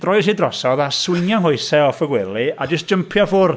Droiais i drosodd a swingio nghoesau off y gwely, a jyst jympio ffwrdd.